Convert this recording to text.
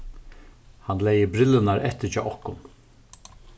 hann legði brillurnar eftir hjá okkum